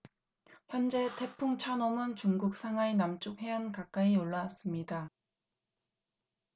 현재 태풍 찬홈은 중국 상하이 남쪽 해안 가까이 올라왔습니다